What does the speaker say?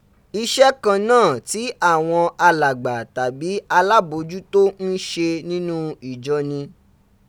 Ise kan naa ti awon alagba, tabi alabojuto n se ninu ijo ni